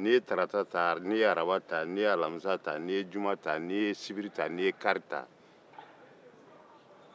n'i ye tarata ta n'i ye araba ta n'i ye alamisa ta n'i ye juma ta n'i ye sibiri ta n'i ye kari ta